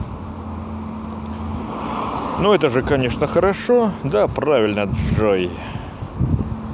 ну это же конечно хорошо да правильно джой